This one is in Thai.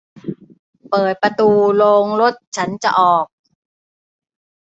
เปิดประตูโรงรถฉันจะออก